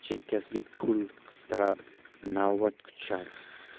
chekkasiga pul qistirar navbat kutishardi